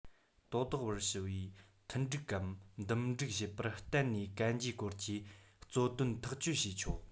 དོ བདག བར ཞི བས མཐུན འགྲིག གམ འདུམ འགྲིག བྱེད པར བརྟེན ནས གན རྒྱའི སྐོར གྱི རྩོད དོན ཐག གཅོད བྱས ཆོག